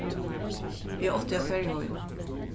eg átti at farið heim